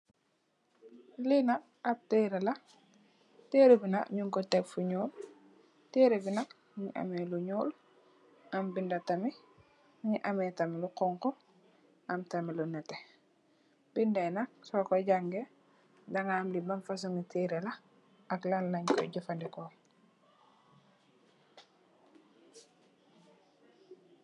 Li nak ab tereeh la, tereeh bi nak nung ko tekk fu ñuul, tereeh bu nak mungi ameh lu ñuul, am binda tamit, mungi ameh tamit lu honku, am tamit lu nètè. Binda yi nak soko jàngay daga ham li ban fasungi tereeh la ak Lan leen koy jafadeko.